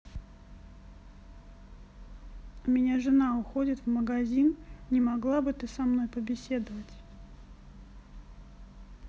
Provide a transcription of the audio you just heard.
у меня жена уходит в магазин не могла бы ты со мной побеседовать